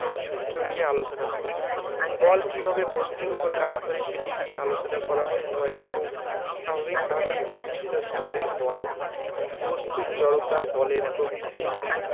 সূত্র নিয়ে আলোচনা করব বল কীভাবে বস্তুর উপর কাজ করে সেটি নিয়ে আলোচনা করার সময় খুব স্বাভাবিকভাবেই বিভিন্ন ধরনের বল বস্তুর জড়তা বলের প্রকৃতি